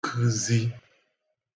kəzi